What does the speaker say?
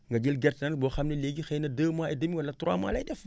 nga jël gerte nag boo xam ne léegi xëy na 2 mois et demi wala 3 mois lat def